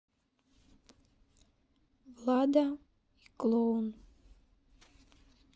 влада и клоун